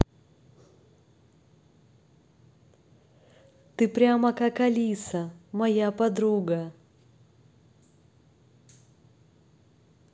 ты прямо как алиса моя подруга